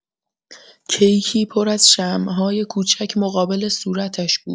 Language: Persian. کیکی پر از شمع‌های کوچک مقابل صورتش بود.